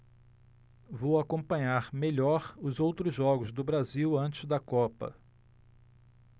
vou acompanhar melhor os outros jogos do brasil antes da copa